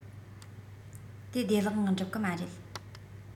དེ བདེ ལག ངང འགྲུབ གི མ རེད